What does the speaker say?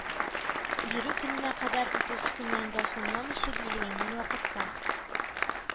Бирү көненә кадәр утыз көннән дә соңламыйча билгеләнгән вакытта